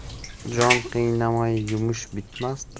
jon qiynamay yumush bitmas